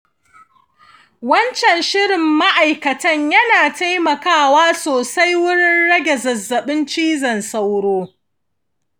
wancan shirin ma'aikatan yana taimakawa sosai wurin rage zazzaɓin cizon sauro.